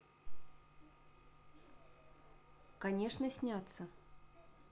конечно снятся